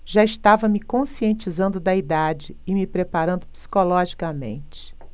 já estava me conscientizando da idade e me preparando psicologicamente